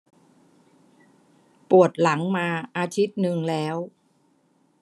ปวดหลังมาอาทิตย์หนึ่งแล้ว